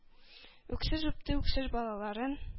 Үксеп үпте үксез балаларын,